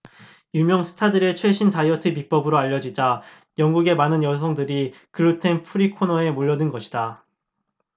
유명 스타들의 최신 다이어트 비법으로 알려지자 영국의 많은 여성들이 글루텐 프리 코너에 몰려든 것이다